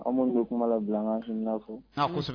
An minnu bɛ kuma la bila an ka hakilina fɔ, an kosɛbɛ